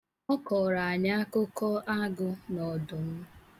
Ọ kọrọ anyị akụkọ agụ na ọdụm.